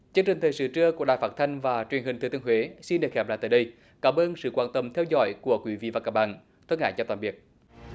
chương trình thời sự trưa của đài phát thanh và truyền hình thừa thiên huế xin được khép lại tại đây cảm ơn sự quan tâm theo dõi của quý vị và các bạn thân ái chào tạm biệt